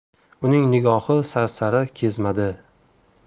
uning nigohi sarsari kezmadi